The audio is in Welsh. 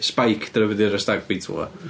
Spike dyna be 'di enw'r Stag Beetle 'ma.